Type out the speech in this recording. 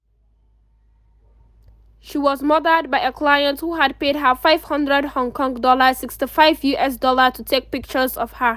She was murdered by a client who had paid her HK$500 dollars (US$65) to take pictures of her.